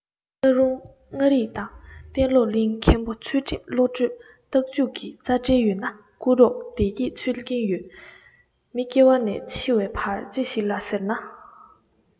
བླ རུང ལྔ རིག ནང བསྟན སློབ གླིང མཁན པོ ཚུལ ཁྲིམས བློ གྲོས རྟགས འཇུག གི རྩ འབྲེལ ཡོད ན བསྐུར རོགས བདེ སྐྱིད འཚོལ ཀྱིན ཡོད མི སྐྱེ བ ནས འཆི བའི བར ཅི ཞིག ལ ཟེར ན